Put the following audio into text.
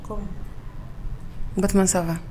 Ko mu Batoma ça va